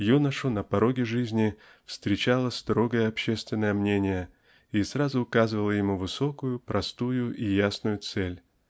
Юношу на пороге жизни встречало строгое общественное мнение и сразу указывало ему высокую простую и ясную цель.